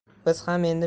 biz ham endi